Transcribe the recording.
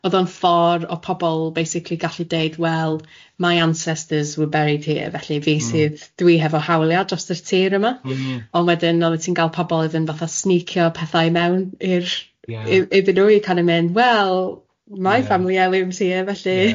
odd o'n ffordd o' pobl basically gallu deud wel, my ancestors were buried here felly fi sydd... M-hm. ...dwi hefo hawliau dros y tir yma...M-hm. ...ond wedyn oeddet ti'n gael pobl iddyn fatha sneekio pethau i mewn i'r... Ie. ...i i iddyn nhw i kind of mynd wel... Ia. ...my family airlume's here felly.